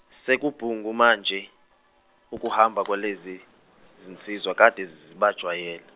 sekubuhlungu manje, ukuhamba kwalezi zinsizwa kade sesibajwayele.